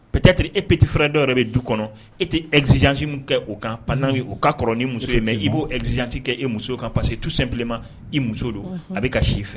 Ptet e pptiffirɛn dɔw yɛrɛ bɛ du kɔnɔ e tɛ ezsi kɛ o kan pan o ka kɔrɔ muso de mɛ i b'o ezsi kɛ e muso kan pa que i tu sen bilen ma i muso don a bɛ ka si fɛ